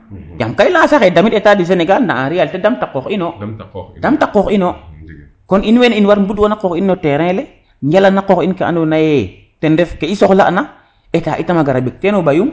yaam ka i leya saxe damit Etat du Sengal nda en realité ndamta qox ino kon in wene in mbar mbud wana qox in no terrain njala na qox in ka ando naye ten ref ke i soxla na Etat itam a gara mbek teno mbayum